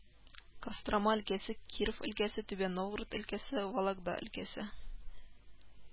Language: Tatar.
Кострома өлкәсе, Киров өлкәсе, Түбән Новгород өлкәсе, Вологда өлкәсе